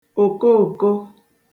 òkoòko